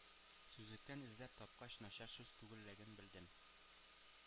Сүзлектән эзләп тапкач, начар сүз түгеллеген белдем...